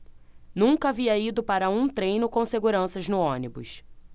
nunca havia ido para um treino com seguranças no ônibus